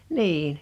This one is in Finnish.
niin